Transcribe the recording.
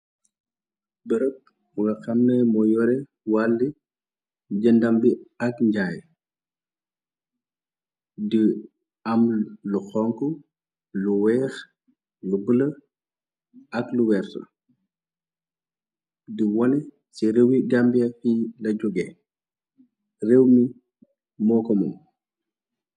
Bërëb bu nga xamnee mo yore wàlli jëndambi ak njaay di am lu xonku lu weex lu bola ak lu werte di wone ci réew i gambefi la jóge réew mi moo ko moom.